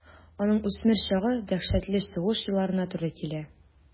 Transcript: Аның үсмер чагы дәһшәтле сугыш елларына туры килә.